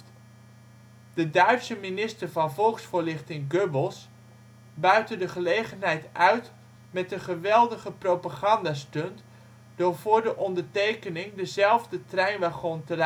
Duitse minister van volksvoorlichting Goebbels buitte de gelegenheid uit met een geweldige propagandastunt door voor de ondertekening dezelfde treinwagon te